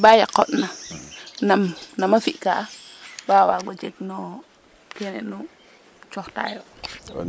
ba yaqooɗna nam nam a fi'ka ba waag o jeg no kene nu cooxtaayo